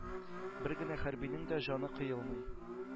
Бер генә хәрбинең дә җаны кыелмый.